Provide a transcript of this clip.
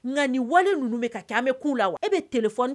Nka ni wali wale ninnu bɛ ka kɛ an bɛ' la e bɛ t fɔ